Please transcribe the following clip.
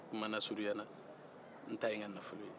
kumalasurunyanan n ta ye n ka nafolo ye